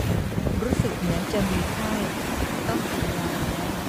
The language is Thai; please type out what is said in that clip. รู้สึกเหมือนจะมีไข้ต้องกินยาแล้ว